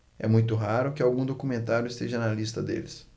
é muito raro que algum documentário esteja na lista deles